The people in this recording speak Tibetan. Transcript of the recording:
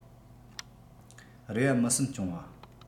རེ བ མི སེམས སྐྱོང བ